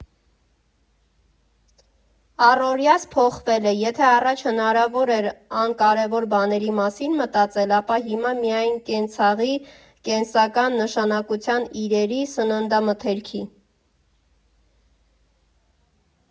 Առօրյաս փոխվել է, եթե առաջ հնարավոր էր անկարևոր բաների մասին մտածել, ապա հիմա միայն կենցաղի՝ կենսական նշանակության իրերի, սննդամթերքի։